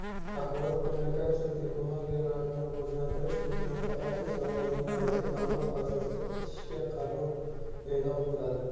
axborot kommunikatsion texnologiyalar ni rivojlantirish bo'yicha mutaxassis lavozimlariga tanlov asosida ishga qabul e'lon qiladi